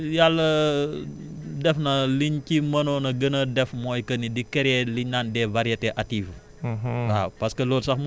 waaw waaw loolu moom yàlla def na liñ ci mënoon a gën a def mooy que ni di créer liñ naan des variétés actives